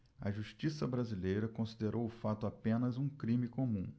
a justiça brasileira considerou o fato apenas um crime comum